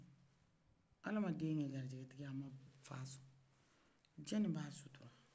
ala den kɛ gɛrɛsɛgɛ tigi ye a ma fa sɔn jɔn ni b'o sutura